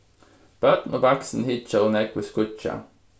børn og vaksin hyggja ov nógv í skíggja